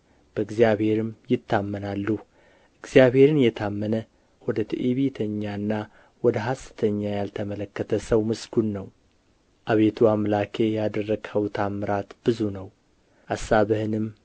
በእግዚአብሔርም ይታመናሉ እግዚአብሔርን የታመነ ወደ ትዕቢተኛና ወደ ሐሰተኛ ያልተመለከተ ሰው ምስጉን ነው አቤቱ አምላኬ ያደረግኸው ተአምራት ብዙ ነው አሳብህንም